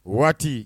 Waati